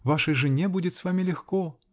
Вашей жене будет с вами легко.